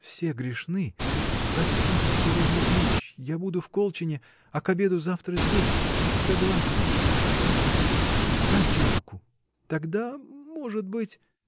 — Все грешны: простите, — сегодня в ночь я буду в Колчине, а к обеду завтра здесь — и с согласием. Простите. дайте руку! — Тогда. может быть.